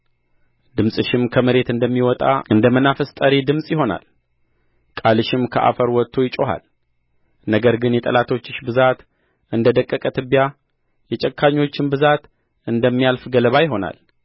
ድምፅሽም ከመሬት እንደሚወጣ እንደ መናፍስት ጠሪ ድምፅ ይሆናል ቃልሽም ከአፈር ወጥቶ ይጮኻል ነገር ግን የጠላቶችሽ ብዛት እንደ ደቀቀ ትቢያ የጨካኞችም ብዛት እንደሚያልፍ ገለባ ይሆናል